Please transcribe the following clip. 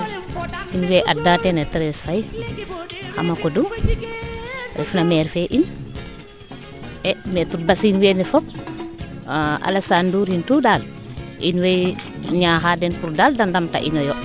in way adna teen a Therese Faye Amacodou refna maire fee ine maitre Basse iin weene iyiin fop Alassane Ndour in tout daal in way ñaaxa den pour daal de ndamta inoyo